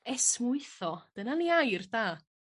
Esmwytho dyna 'ni air da.